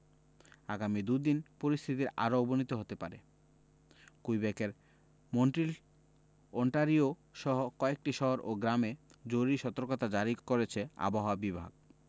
আগামী দু'দিনে পরিস্থিতির আরও অবনতি হতে পারে কুইবেকের মন্ট্রিল ওন্টারিওসহ কয়েকটি শহর ও গ্রামে জরুরি সতর্কতা জারি করেছে আবহাওয়া বিভাগ